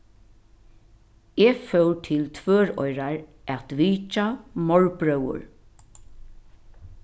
eg fór til tvøroyrar at vitja morbróður